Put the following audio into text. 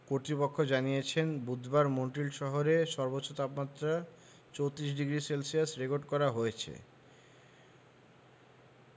কর্তৃপক্ষ জানিয়েছে বুধবার মন্ট্রিল শহরে সর্বোচ্চ তাপমাত্রা ৩৪ ডিগ্রি সেলসিয়াস রেকর্ড করা হয়েছে